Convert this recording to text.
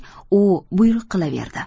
u buyruq qilaverdi